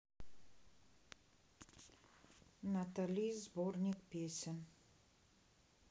натали сборник песен